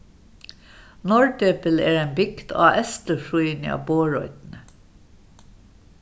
norðdepil er ein bygd á eystursíðuni á borðoynni